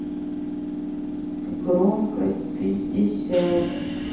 громкость пятьдесят